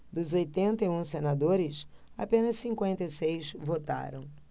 dos oitenta e um senadores apenas cinquenta e seis votaram